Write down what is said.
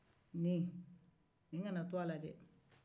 nin nin kana to a la dɛɛ